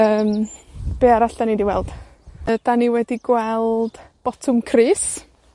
Yym, be' arall 'dan ni 'di weld? Yy, 'dan ni wedi gweld Botwm Crys.